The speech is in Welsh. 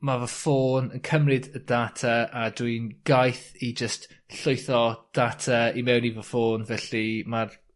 ma' fy ffôn yn cymryd y data a dwi'n gaeth i jyst llwytho data i mewn i fy ffôn felly ma'r